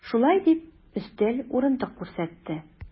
Шулай дип, өстәл, урындык күрсәтте.